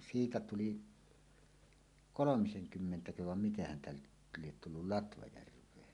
siitä tuli kolmisenkymmentäköhän vai miten häntä nyt lie tullut Latvajärveen